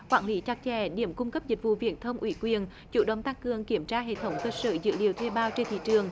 quản lý chặt chẽ điểm cung cấp dịch vụ viễn thông ủy quyền chủ động tăng cường kiểm tra hệ thống cơ sở dữ liệu thuê bao trên thị trường